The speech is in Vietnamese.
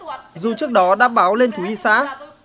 dù trước đó đã báo lên thú y xã